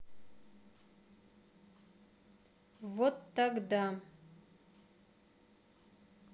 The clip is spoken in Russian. вот тогда